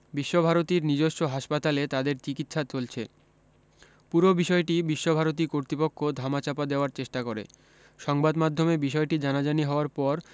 বিশ্বভারতীর নিজস্ব হাসপাতালে তাদের চিকিৎসা চলছে পুরো বিষয়টি বিশ্বভারতী কতৃপক্ষ ধামাচাপা দেওয়ার চেষ্টা করে সংবাদ মাধ্যমে বিষয়টি জানাজানি হওয়ার পর